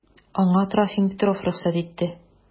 Аңа Трофим Петров рөхсәт итте.